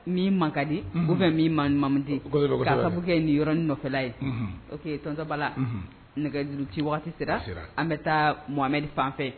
Min man kadi unhun ou bien min man mam di kosɛbɛ-kosɛbɛ k'a sabu kɛ nin yɔrɔnin nɔfɛla ye unhun ok tonton Balla unhun nɛgɛjuruci wagati sera a sera an bɛ taa Mohamed fan fɛ